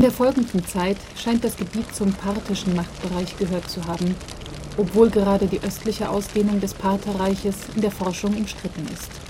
folgenden Zeit scheint das Gebiet zum parthischen Machtbereich gehört zu haben, obwohl gerade die östliche Ausdehnung des Partherreiches in der Forschung umstritten ist